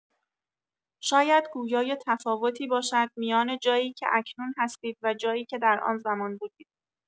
شاید گویای تفاوتی باشد میان جایی که اکنون هستید و جایی که در آن‌زمان بودید.